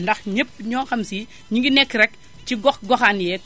ndax ñépp ñoo xam sii ñu ngi nekk rekk ci gox goxaan yeeg